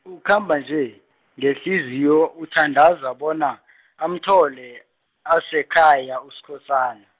ukhamba nje, ngehliziyo uthandaza bona , amthole asekhaya Uskhosana.